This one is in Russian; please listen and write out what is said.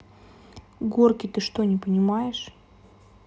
gorky ты что не понимаешь